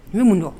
N mun dɔn?